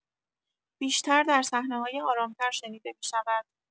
بیشتر در صحنه‌های آرام‌تر شنیده می‌شود.